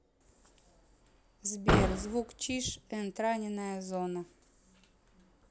сбер звук чиж and раненая зона